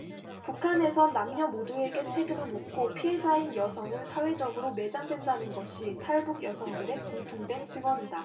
북한에선 남녀 모두에게 책임을 묻고 피해자인 여성은 사회적으로 매장된다는 것이 탈북 여성들의 공통된 증언이다